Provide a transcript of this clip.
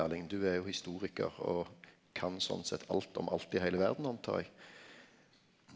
Erling du er jo historikar og kan sånn sett alt om alt i heile verda antar eg.